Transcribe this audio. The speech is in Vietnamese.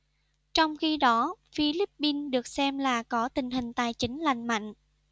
trong khi đó philippines được xem là có tình hình tài chính lành mạnh